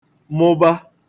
mụba